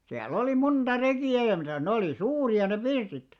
siellä oli monta rekiä ja mitäs ne oli suuria ne pirtit